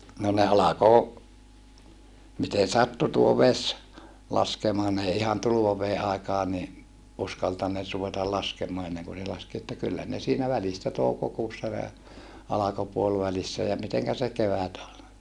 no ne alkoi miten sattui tuo vesi laskemaan ne ei ihan tulvaveden aikaan niin uskaltaneet ruveta laskemaan ennen kuin se laski että kyllä ne siinä välistä toukokuussa ne alkoi puolivälissä ja miten se kevät oli